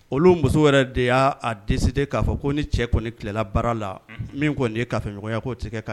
Olu muso yɛrɛ de y'a décidé k'a fɔ ko ni cɛ kɔnni tilela baara la. Unhun. Min kɔnni ye kafoɲɔgɔnya ko tɛ se k